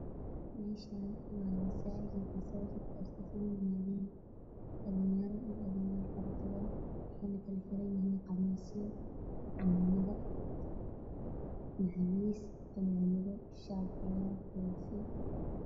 Meeshaan waxaa ku yaallo masaajid oo iskugu yimaadeen dhalinyaro iyo carruur wax walba masaajidka kaleerkiisu waa cadaan iyo madow waxa saaran rog caddaan ah